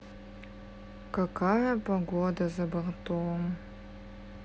какая погода за бортом